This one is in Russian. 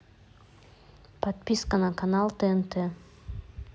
подписка на канал тнт